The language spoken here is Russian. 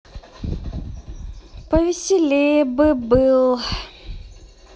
повеселее бы был бы